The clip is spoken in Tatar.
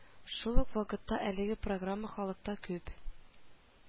Шул ук вакытта әлеге программа халыкта күп